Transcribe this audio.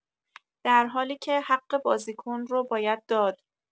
در حالی که حق بازیکن رو باید داد